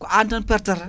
ko an tan pertata